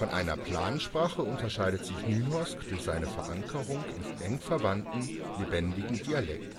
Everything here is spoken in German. einer Plansprache unterscheidet sich Nynorsk durch seine Verankerung in engverwandten, lebendigen Dialekten